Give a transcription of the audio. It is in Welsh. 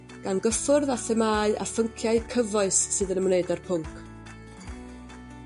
gan gyffwrdd â themâu a phynciau cyfoes sydd yn ymwneud â'r pwnc.